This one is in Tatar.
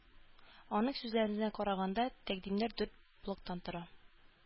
Аның сүзләренә караганда, тәкъдимнәр дүрт блоктан тора.